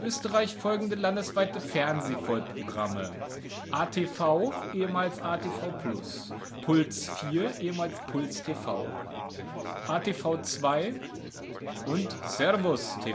Österreich folgende landesweite Fernseh-Vollprogramme: ATV (ehemals ATV+) Puls 4 (ehemals Puls TV) ATV2 ServusTV